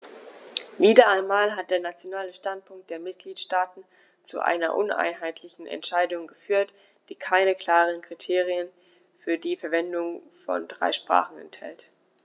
Wieder einmal hat der nationale Standpunkt der Mitgliedsstaaten zu einer uneinheitlichen Entscheidung geführt, die keine klaren Kriterien für die Verwendung von drei Sprachen enthält.